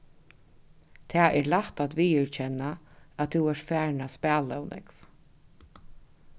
tað er lætt at viðurkenna at tú ert farin at spæla ov nógv